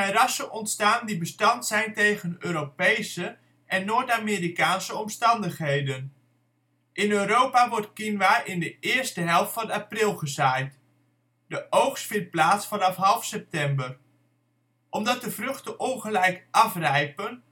rassen ontstaan die bestand zijn tegen Europese en Noord-Amerikaanse omstandigheden. In Europa wordt quinoa in de eerste helft van april gezaaid. De oogst vindt plaats vanaf half september. Omdat de vruchten ongelijk afrijpen